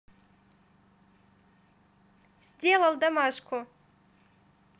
сделал домашку